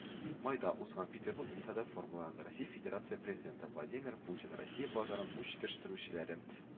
Майда узган Петербург икътисада формуларында Россия Федирация Президенты Владимир Путин Россия базарын үз җитештерүчеләре